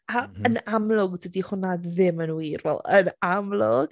A yn amlwg dydy hwnna ddim yn wir. Wel, yn amlwg.